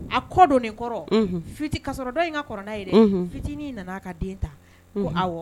A kɔ don nin kɔrɔ fi kasɔrɔ dɔ in ka kɔrɔna ye fitinin nana a ka den ta